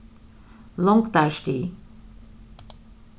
longdarstig